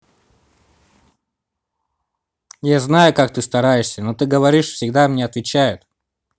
я знаю как ты стараешься но ты говоришь всегда мне отвечают